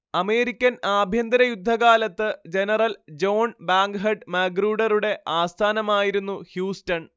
American ആഭ്യന്തരയുദ്ധകാലത്ത് general John Bankhead മാഗ്രൂഡറുടെ ആസ്ഥാനമായിരുന്നു ഹ്യൂസ്റ്റൺ